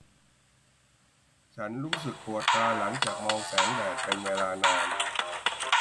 ฉันรู้สึกปวดตาหลังจากมองแสงแดดเป็นเวลานาน